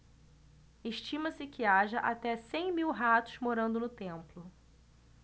estima-se que haja até cem mil ratos morando no templo